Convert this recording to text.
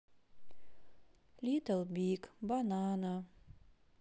литл биг банана